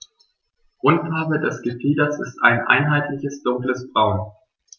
Grundfarbe des Gefieders ist ein einheitliches dunkles Braun.